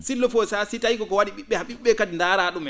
s' il le faut sakh si tawii ko ko wa?i ?i??e han ?i??e ?ee kadi ndaaraa ?umen